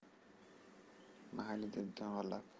mayli dedi to'ng'illab